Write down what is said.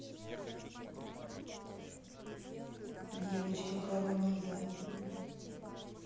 девочка карниза